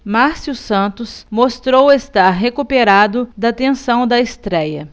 márcio santos mostrou estar recuperado da tensão da estréia